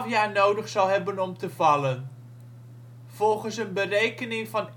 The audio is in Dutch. jaar nodig zal hebben om te vallen. Volgens een berekening van